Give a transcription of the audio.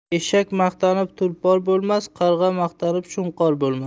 eshak maqtanib tulpor bo'lmas qarg'a maqtanib shunqor bo'lmas